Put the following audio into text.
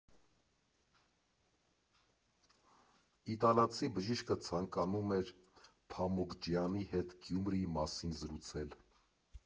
Իտալացի բժիշկը ցանկանում էր Փամոկջյանի հետ Գյումրիի մասին զրուցել։